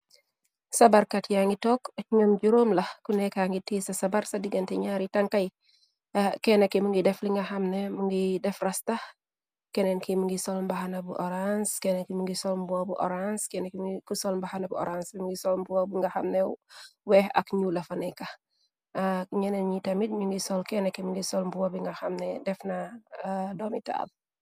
sa barkat yaa ngi tokk aj ñoom juróom la ku nekka ngi tii sa sabar sa digante ñaar yi tankay kenne ki mi ngi defli nga xamne mu ngiy def rastax keneen ki mi ngi solmbaxana bu horange kenne ki mi ngi solmboo bu horange ennkiku sol mbaxana bu horange mngi solmboo bu nga xamne wee ak ñuul lafa nekka ñeneen ñi tamit ñu ngi sol kenne ki mi ngi sol mbuo bi nga xamne def na domital .